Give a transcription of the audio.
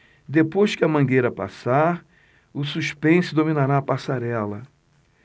depois que a mangueira passar o suspense dominará a passarela